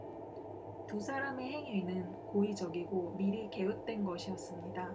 두 사람의 행위는 고의적이고 미리 계획된 것이었습니다